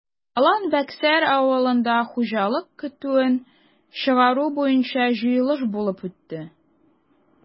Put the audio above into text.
Алан-Бәксәр авылында хуҗалык көтүен чыгару буенча җыелыш булып үтте.